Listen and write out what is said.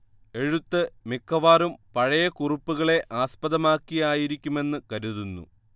എഴുത്ത് മിക്കവാറും പഴയ കുറിപ്പുകളെ ആസ്പദമാക്കിയായിരിക്കുമെന്ന് കരുതുന്നു